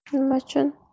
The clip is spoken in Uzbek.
nima uchun